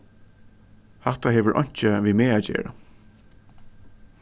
hatta hevur einki við meg at gera